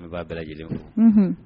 N b'a bɛɛ lajɛlen fo. Unhun.